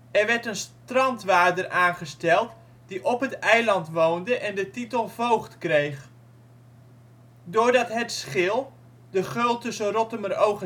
Er werd een strandwaarder aangesteld die op het eiland woonde en de titel voogd kreeg. Doordat het Schil, de geul tussen Rottumeroog